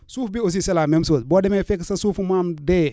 suuf bi aussi c' est la même chose boo demee fekk sa suufu maam dee